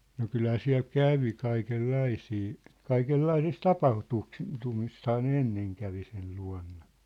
no kyllähän siellä kävi kaikenlaisia kaikenlaisissa - tapahtumissahan ne ennen kävi sen luona